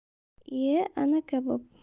iye ana kabob